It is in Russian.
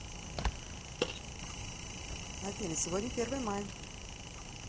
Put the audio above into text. афина сегодня первое мая